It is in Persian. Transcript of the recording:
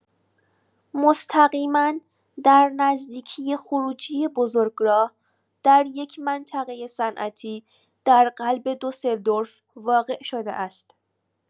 مستقیما در نزدیکی خروجی بزرگراه، در یک منطقه صنعتی در غرب دوسلدورف واقع شده است.